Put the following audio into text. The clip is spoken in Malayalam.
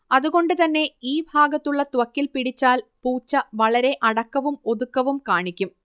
അതുകൊണ്ട് തന്നെ ഈ ഭാഗത്തുള്ള ത്വക്കിൽ പിടിച്ചാൽ പൂച്ച വളരെ അടക്കവും ഒതുക്കവും കാണിക്കും